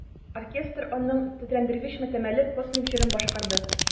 Оркестр аның тетрәндергеч матәмле космик җырын башкарды.